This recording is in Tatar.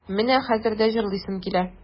Менә хәзер дә җырлыйсым килә.